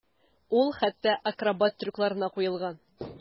Ул хәтта акробат трюкларына куелган.